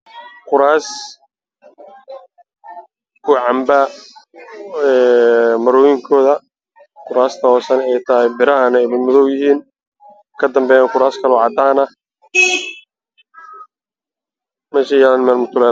Meeshaan waxaa yaalo kuraas jaallaa oo lagu mid madow waxaana ka dambeeya darbi cad